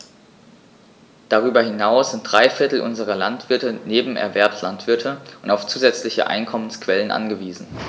Darüber hinaus sind drei Viertel unserer Landwirte Nebenerwerbslandwirte und auf zusätzliche Einkommensquellen angewiesen.